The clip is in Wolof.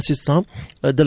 jërëjëf